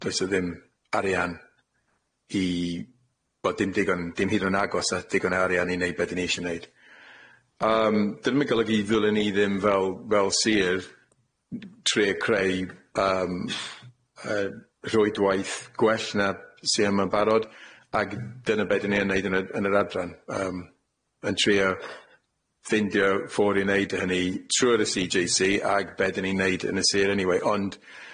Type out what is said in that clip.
Does 'na ddim arian i bo' dim digon dim hyd yn agos at digon o arian i neu' be' ni isio 'neud, yym 'di hynna ddim'n golygu ddylen ni ddim fel fel sir trio creu yym yy rhwydwaith gwell na sy' yma'n barod ag dyna be' dan ni yn 'neud yn y yn yr adran yym yn trio ffeindio ffor' i 'neud hynny trw'r y See Jay See ag be' 'dan ni'n 'neud yn y sir eniwe ond